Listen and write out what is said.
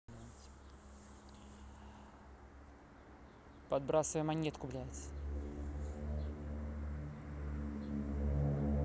подбрасывай монетку блядь